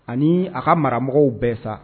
Ani a ka maramɔgɔw bɛɛ sa